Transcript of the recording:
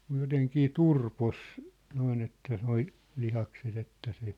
mutta jotenkin turposi noin että nuo lihakset että se